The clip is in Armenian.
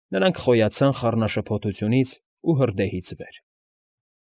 Նրանք խոյացան խառնաշփոթությունից ու հրդեհից վեր։